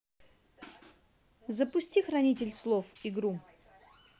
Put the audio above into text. запусти хранитель слов игру